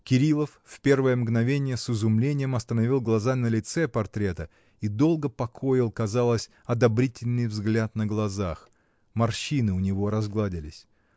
Кирилов в первое мгновение с изумлением остановил глаза на лице портрета и долго покоил, казалось, одобрительный взгляд на глазах морщины у него разгладились.